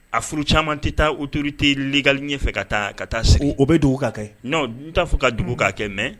A furu caman tɛ taa utote li ɲɛ fɛ ka taa ka taa segu o bɛ dugu ka kɛ n n t'a fɔ ka dugu ka kɛ mɛ